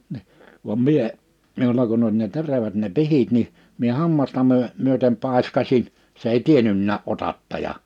niin vaan minä minulla kun oli ne terävät ne pihdit niin minä hammasta - myöten paiskasin se ei tiennytkään otattaja